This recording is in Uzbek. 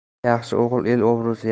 yaxshi o'g'il el obro'si